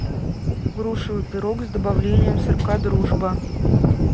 грушевый пирог с добавлением сырка дружба